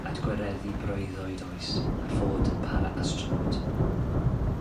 at gwareddu breuddwyd oes, at fod yn para-astronaut.